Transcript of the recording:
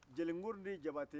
jeli n'guruni jabate